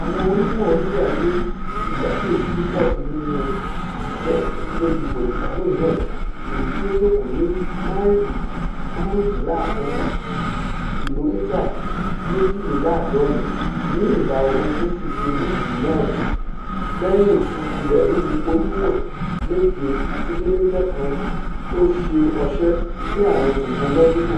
Àwọn onímọ-orilẹ-ayé ti ṣàkíyèsí pípọ̀síi nínú iṣẹ́ níbí fòlìkánò náà èyití ó jókòó ní máìlì máàrúndíńlá́àádọ́ta (kilomita méjìléláàádọ́rin) ní ìlà-oórùn gúúsù ti olú-ìlú náà lẹ́yìn ti ilẹ̀ rírì oníwọ̀n-7.1 kan tó ṣe ọṣẹ́ ní ààrin-gùngùn Mẹ́ṣíkò